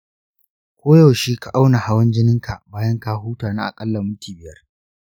koyaushe ka auna hawan jininka bayan ka huta na aƙalla minti biyar.